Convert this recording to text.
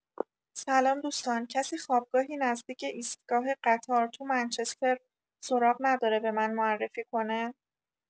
سلام دوستان کسی خوابگاهی نزدیک ایستگاه قطار تو منچستر سراغ نداره به من معرفی کنه؟